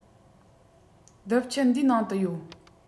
རྡིབ ཆུ འདིའི ནང དུ ཡོད